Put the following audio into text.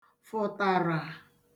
fụ̀tàrà